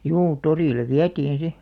juu torille vietiin sitten